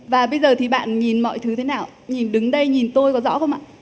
và bây giờ thì bạn nhìn mọi thứ thế nào ạ nhìn đứng đây nhìn tôi có rõ không ạ